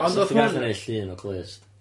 Bysa chdi'n gallu neud llun o clust.